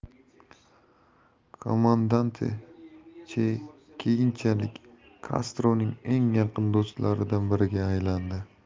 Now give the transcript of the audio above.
komandante che keyinchalik kastroning eng yaqin do'stlaridan biriga aylandi